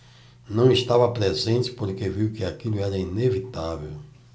não estava presente porque viu que aquilo era inevitável